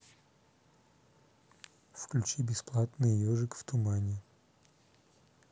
включи бесплатный ежик в тумане